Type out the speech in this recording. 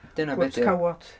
Dyna be 'di o... cawod.